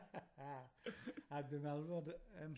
A dwi'n meddwl fod yym...